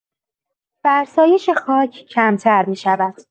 فرسایش خاک کمتر می‌شود.